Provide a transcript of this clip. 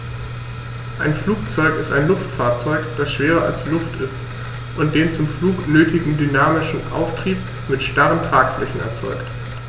Ein Flugzeug ist ein Luftfahrzeug, das schwerer als Luft ist und den zum Flug nötigen dynamischen Auftrieb mit starren Tragflächen erzeugt.